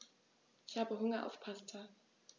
Ich habe Hunger auf Pasta.